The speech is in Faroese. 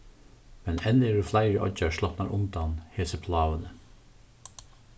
men enn eru fleiri oyggjar slopnar undan hesi pláguni